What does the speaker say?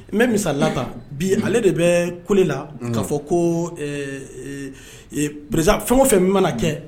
N bɛ misi misala kan bi ale de bɛ kole la k' fɔ koerez fɛn o fɛn mana kɛ